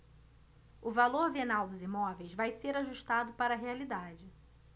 o valor venal dos imóveis vai ser ajustado para a realidade